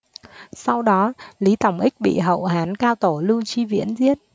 sau đó lý tòng ích bị hậu hán cao tổ lưu tri viễn giết